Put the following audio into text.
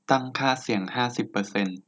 ตั้งค่าเสียงห้าสิบเปอร์เซนต์